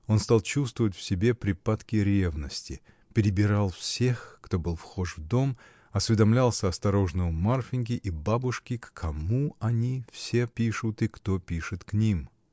Он стал чувствовать в себе припадки ревности, перебирал всех, кто был вхож в дом, осведомлялся осторожно у Марфиньки и бабушки, к кому они все пишут и кто пишет к ним.